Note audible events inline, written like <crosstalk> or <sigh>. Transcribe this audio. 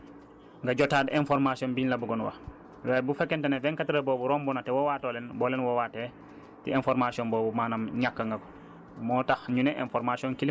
ci diggante vingt quatre heure yi nga jotaat information biñ la buggoon wax <hesitation> bu fekkente ne vingt quatre heures boobu romb na te woowaatoo leen boo leen woowaatee ci information boobu manaam ñàkk nga ko